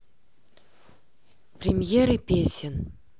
премьеры песен